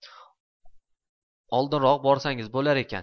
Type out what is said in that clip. oldinroq borsangiz bo'lar ekan